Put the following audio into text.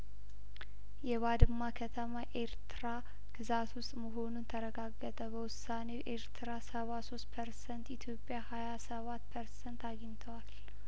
የባድማ ከተማ ኤርትራ ግዛት ውስጥ መሆኑን ተረጋገጠ በውሳኔው ኤርትራ ሰባ ሶስት ፐርሰንት ኢትዮጵያሀያሰባት ፐርሰንት አግኝተዋል